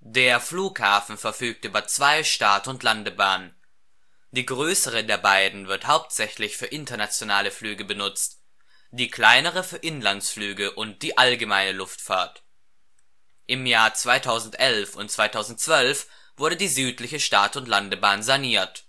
Der Flughafen verfügt über zwei Start - und Landebahnen. Die größere der beiden wird hauptsächlich für internationale Flüge benutzt, die kleinere für Inlandsflüge und die allgemeine Luftfahrt. Im Jahr 2011 und 2012 wurde die südliche Start - und Landebahn saniert,